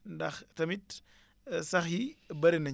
ndax tamit sax yi bëre nañ